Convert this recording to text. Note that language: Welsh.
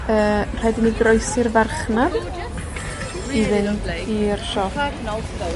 yyy, rhaid i mi groesi'r farchnad i fynd i'r siop.